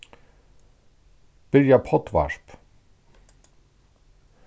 byrja poddvarp